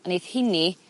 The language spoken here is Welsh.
a neith hinny